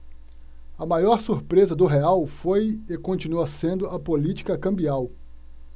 a maior surpresa do real foi e continua sendo a política cambial